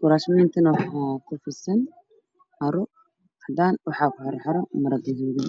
kuraasidan waxaku fidsan maro